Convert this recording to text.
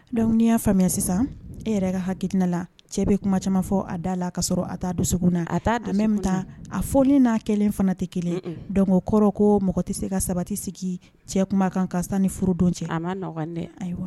Dɔnkuc y'a faamuya sisan e yɛrɛ ka hakidina la cɛ bɛ kuma caman fɔ a da la kaa sɔrɔ a taa don na a a bɛ a fɔ n'a kɛlen fana tɛ kelen donkɔrɔ ko mɔgɔ tɛ se ka saba tɛ sigi cɛ kuma kan ka san ni furudon cɛ